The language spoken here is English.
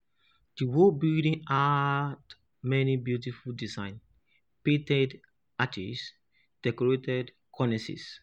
The whole building had many beautiful designs — pointed arches, decorated cornices.